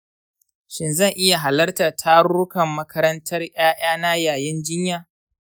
shin zan iya halartar tarurrukan makarantar ’ya’yana yayin jinya?